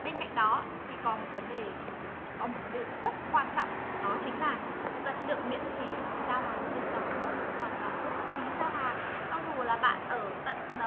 bên cạnh đó thì còn vấn đề có một vấn đề rất quan trọng đó chính là chúng ta sẽ được miễn phí giao hàng trên toàn quốc hoàn toàn không mất phí giao hàng cho dù là bạn ở tận